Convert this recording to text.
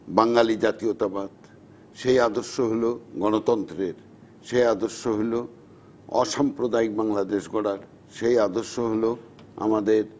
বাঙ্গালী জাতীয়তাবাদ সেই আদর্শ হল গণতন্ত্রের সে আদর্শ হল অসাম্প্রদায়িক বাংলাদেশ গড়ার সেই আদর্শ হল আমাদের